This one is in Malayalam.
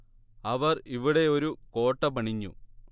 അവർ ഇവിടെ ഒരു കോട്ട പണിഞ്ഞു